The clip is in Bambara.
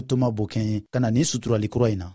n'o ye tema-bokin ye ka na nin suturali kura in na